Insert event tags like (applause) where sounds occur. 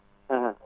(hesitation) (hesitation)